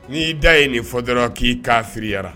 N'i'i da ye nin fɔ dɔrɔn k'i kaa filiyara